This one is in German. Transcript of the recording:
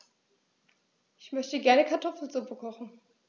Ich möchte gerne Kartoffelsuppe kochen.